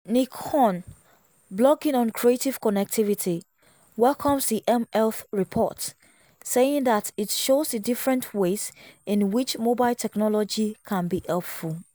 Nick Hunn, blogging on Creative Connectivity, welcomes the mHealth report, saying that it shows the different ways in which mobile technology can be helpful.